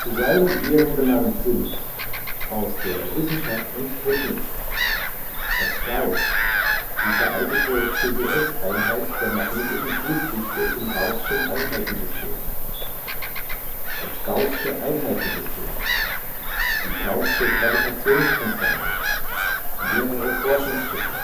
seinen Ehren benannt sind: Wissenschaft und Technik das Gauß, die veraltete cgs-Einheit der magnetischen Flussdichte im gaußschen Einheitensystem das gaußsche Einheitensystem die gaußsche Gravitationskonstante mehrere Forschungsschiffe